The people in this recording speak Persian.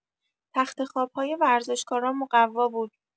تخت خواب‌های ورزشکارا مقوا بود